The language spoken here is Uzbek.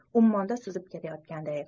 ummonda suzib ketayotganday